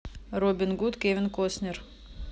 робин гуд кевин коснер